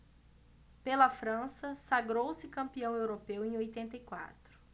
pela frança sagrou-se campeão europeu em oitenta e quatro